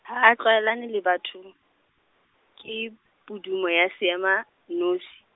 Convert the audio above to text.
ha a tlwaelane le batho, ke pudumo ya seema, nosi.